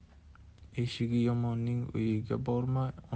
eshigi yomonning uyiga borma